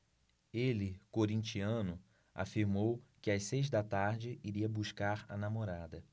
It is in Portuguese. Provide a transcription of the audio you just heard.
ele corintiano afirmou que às seis da tarde iria buscar a namorada